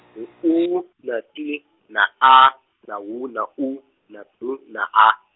ngu U, na T, na A, na W, na U, na B, na A.